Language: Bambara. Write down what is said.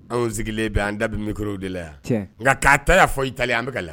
Anw sigilen bɛ an da bɛ micros de la yan nka k'a ta yan fo Itali an bɛ ka lamɛn